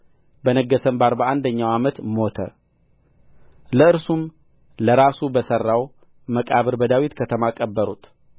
በነገሠም በአርባ አንደኛው ዓመት ሞተ ለእርሱም ለራሱ በሠራው መቃብር በዳዊት ከተማ ቀበሩት